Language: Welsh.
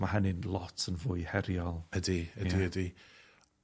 ma' hynny'n lot yn fwy heriol. Ydi... Ie. ...ydi ydi.